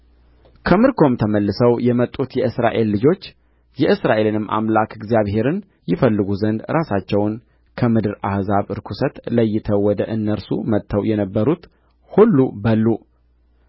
ከምርኮም ተመልሰው የመጡት የእስራኤል ልጆች የእስራኤልንም አምላክ እግዚአብሔርን ይፈልጉ ዘንድ ራሳቸውን ከምድር አሕዛብ ርኵሰት ለይተው ወደ እነርሱ መጥተው የነበሩት ሁሉ በሉ